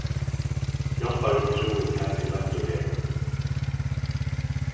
hjálparin trúði tær í roynd og veru